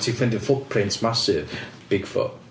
ti'n ffeindio footprints massive bigfoot.